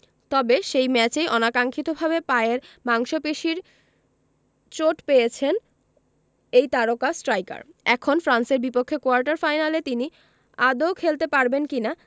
তবে সেই ম্যাচেই অনাকাঙ্ক্ষিতভাবে পায়ের মাংসপেশির চোট পেয়েছেন এই তারকা স্ট্রাইকার এখন ফ্রান্সের বিপক্ষে কোয়ার্টার ফাইনালে তিনি আদৌ খেলতে পারবেন কি না